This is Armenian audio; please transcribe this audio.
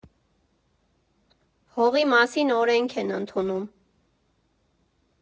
Հողի մասին օրենք են ընդունում։